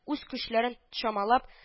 З көчләрен чамалап, д